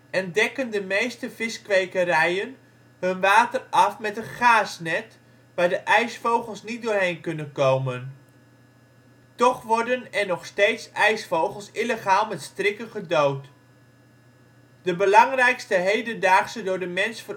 en dekken de meeste viskwekerijen hun water af met een gaasnet, waar de ijsvogels niet doorheen kunnen komen. Toch worden er nog steeds ijsvogels illegaal met strikken gedood. De belangrijkste hedendaagse door de mens